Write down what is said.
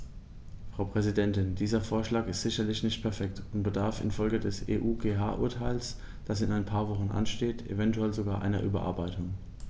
Frau Präsidentin, dieser Vorschlag ist sicherlich nicht perfekt und bedarf in Folge des EuGH-Urteils, das in ein paar Wochen ansteht, eventuell sogar einer Überarbeitung.